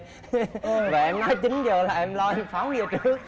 hê hê vợ em nói chín giờ là em lo phóng về trước